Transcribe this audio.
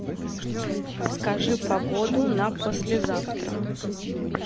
скажи погоду на послезавтра